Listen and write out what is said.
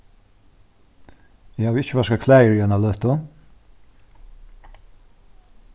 eg havi ikki vaskað klæðir í eina løtu